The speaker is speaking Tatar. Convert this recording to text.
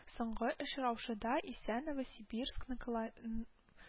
Соңгы очраушыда исә новосибирск ноколо н